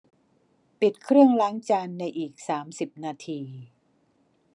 ปิดเครื่องล้างจานในอีกสามสิบนาที